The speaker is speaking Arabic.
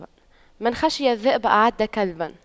من خشى الذئب أعد كلبا